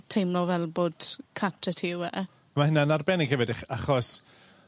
teimlo fel bod cartre ti yw e. Ma' hynna'n arbennig hefyd ych- achos